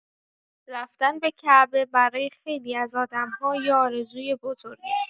رفتن به کعبه برای خیلی از آدم‌ها یه آرزوی بزرگه.